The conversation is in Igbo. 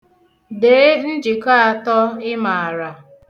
Dee njikọ atọ ị maara.